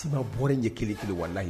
bɔrɛkelen kelen wallahi